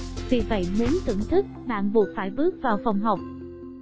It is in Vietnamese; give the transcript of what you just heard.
vì vậy muốn thưởng thức bạn buộc phải bước vào phòng học